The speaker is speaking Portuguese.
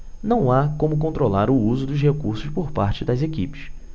não há como controlar o uso dos recursos por parte das equipes